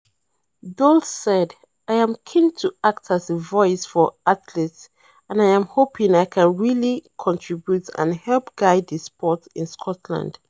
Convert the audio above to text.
Doyle said: "I am keen to act as a voice for athletes and I am hoping I can really contribute and help guide the sport in Scotland."